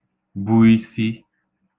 bụ isi